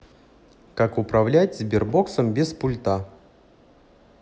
как управлять сбер боксом без пульта